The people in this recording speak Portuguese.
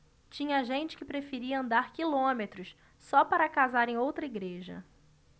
tinha gente que preferia andar quilômetros só para casar em outra igreja